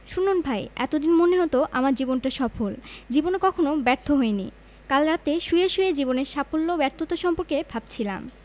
শুনুন ভাই এত দিন মনে হতো আমার জীবনটা সফল জীবনে কখনো ব্যর্থ হইনি কাল রাতে শুয়ে শুয়ে জীবনের সাফল্য ব্যর্থতা সম্পর্কে ভাবছিলাম